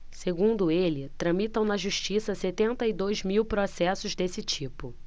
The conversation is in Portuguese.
segundo ele tramitam na justiça setenta e dois mil processos desse tipo